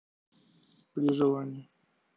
при желании